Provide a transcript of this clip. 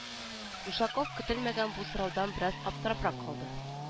Ушаков көтелмәгән бу сораудан бераз аптырабрак калды